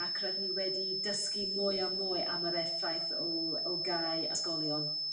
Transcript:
ac roedd ni wedi dysgu mwy o mwy am yr effaith o o gau ysgolion